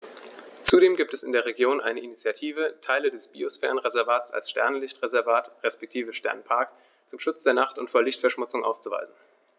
Zudem gibt es in der Region eine Initiative, Teile des Biosphärenreservats als Sternenlicht-Reservat respektive Sternenpark zum Schutz der Nacht und vor Lichtverschmutzung auszuweisen.